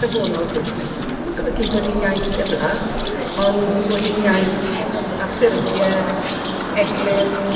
safonol sy sy dd- sy ddim yn golygu bod 'i'n iaith ddiflas ond bod 'i'n iaith a ffurfiau eglur